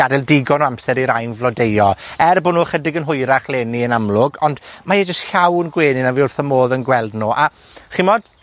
gadel digon o amser i rain flodeuo, er bo' nw ychydig yn hwyrach leni, yn amlwg, ond mae e jys llawn gwenyn a fi wrth 'ym modd yn gweld nw a ch'mod?